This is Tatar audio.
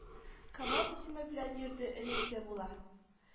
Камал исеме белән йөрде энесе була